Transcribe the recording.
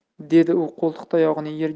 dedi u qo'ltiqtayog'ini